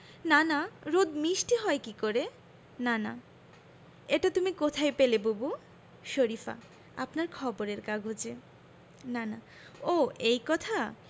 নানা রোদ মিষ্টি হয় কী করে নানা এটা তুমি কোথায় পেলে বুবু শরিফা আপনার খবরের কাগজে নানা ও এই কথা